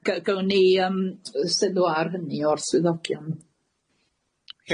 Yym ga- gawn ni yym yy sylw ar hynny o'r swyddogion.